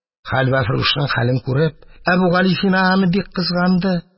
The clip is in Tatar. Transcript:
Хәлвәфрүшнең хәлен күреп, Әбүгалисина бик кызганды.